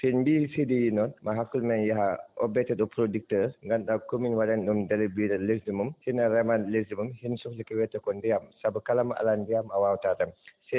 si en mbiyii CDI noon maa hakkille men yaha o mbiyetee ɗo producteur ngannduɗaa commune waɗani ɗum * mbiteɗo leydi mum sinno reman leydi mum ene sohli ko wiyetee koo ndiyam sabi kala mbo alaa ndiyam a waawataa daañ